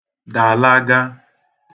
dalaga